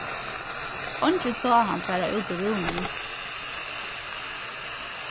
eingin sá hann fara út úr rúminum